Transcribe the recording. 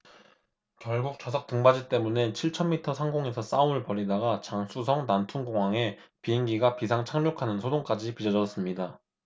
결국 좌석 등받이 때문에 칠천 미터 상공에서 싸움을 벌이다가 장쑤성 난퉁공항에 비행기가 비상 착륙하는 소동까지 빚어졌습니다